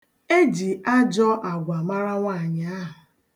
E ji ajọ agwa mara nwaanyị ahụ.